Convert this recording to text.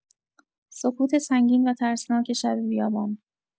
سکوت سنگین و ترسناک شب بیابان